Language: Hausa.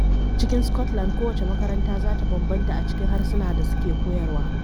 A cikin Scotland, kowace makaranta za ta bambanta a cikin harsuna da suke koyarwa.